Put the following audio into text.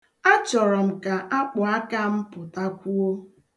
Achọrọ m ka akpụaka m pụtakwuo.